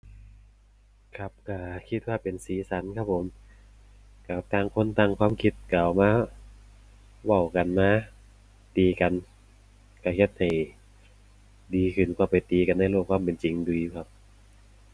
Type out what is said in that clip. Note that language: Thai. ครับ ก็คิดว่าเป็นสีสันครับผม ก็ต่างคนต่างความคิดก็เอามาเว้ากันนะ ตีกัน ก็เฮ็ดให้ดีขึ้นกว่าไปตีกันในโลกความเป็นจริงอยู่ดีครับ